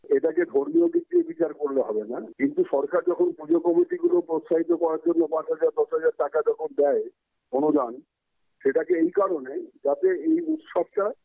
এটাকে ধর্মীয় দিক থেকে বিচার করলে হবে না কিন্তু সরকার যখন পুজো কমিটিগুলোকে উৎসাহিত করার জন্য ৫০০০-১০০০০ টাকা যখন দেয় অনুদান দেয় সেটা এই কারণেই যাতে এই উৎসবটা